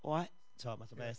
awrite? tibod math o beth,